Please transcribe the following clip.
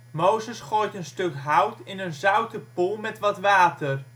Mozes gooit een stuk hout in een zoute pool met wat water